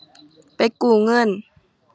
ไปกู้เงิน